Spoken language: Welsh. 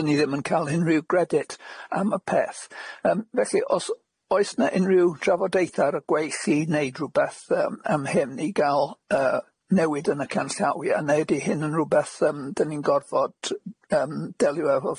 dan ni ddim yn ca'l unrhyw gredyt am y peth yym felly os oes na unrhyw drafodaetha ar y gweill i neud rwbeth yym am hyn i ga'l yy newid yn y canllawia neu ydi hyn yn rwbeth yym dan ni'n gorfod yym delio efo